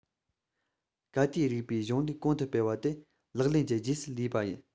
ག དུས རིགས པའི གཞུང ལུགས གོང དུ སྤེལ བ དེ ལག ལེན གྱི རྗེས སུ ལུས པ ཡིན